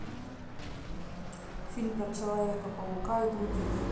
фильм про человека паука и других